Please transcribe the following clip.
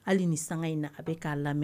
Hali ni san in a bɛ k'a lamɛn